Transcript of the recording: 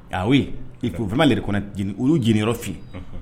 A oui, il faut vraiment le reconnaître u yu jeni yɔrɔ fi